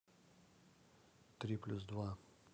три плюс два